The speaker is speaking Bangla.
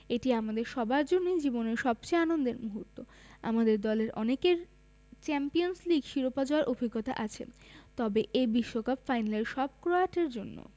এটি আমাদের সবার জন্যই জীবনের সবচেয়ে আনন্দের মুহূর্ত আমাদের দলের অনেকের চ্যাম্পিয়নস লিগ শিরোপা জয়ের অভিজ্ঞতা আছে তবে এ বিশ্বকাপ ফাইনাল সব ক্রোয়াটের জন্য